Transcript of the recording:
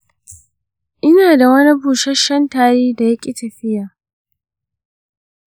ina da wani busasshen tari da yaƙi tafiya.